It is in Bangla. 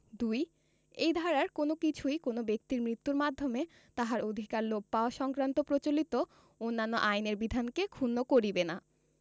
২ এই ধারার কোন কিছুই কোন ব্যক্তির মৃত্যুর মাধ্যমে তাহার অধিকার লোপ পাওয়া সংক্রান্ত প্রচলিত অন্যান্য আইনের বিধানকে ক্ষুন্ন করিবে না